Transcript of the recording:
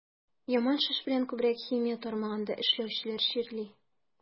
Яман шеш белән күбрәк химия тармагында эшләүчеләр чирли.